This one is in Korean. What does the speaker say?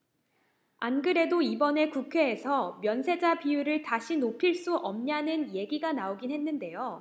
안 그래도 이번에 국회에서 면세자 비율을 다시 높일 순 없냐는 얘기가 나오긴 했는데요